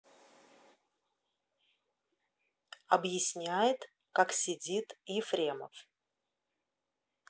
объясняет как сидит ефремов